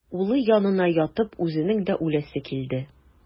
Улы янына ятып үзенең дә үләсе килде.